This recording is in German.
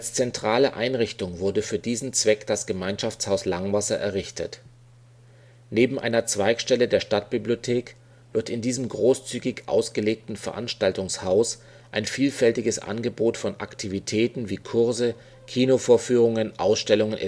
zentrale Einrichtung wurde für diesen Zweck das Gemeinschaftshaus Langwasser errichtet. Neben einer Zweigstelle der Stadtbibliothek wird in diesem großzügig ausgelegten Veranstaltungshaus ein vielfältiges Angebot von Aktivitäten wie Kurse, Kinovorführungen, Ausstellungen